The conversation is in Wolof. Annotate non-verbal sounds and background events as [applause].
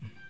[hesitation] [hesitation]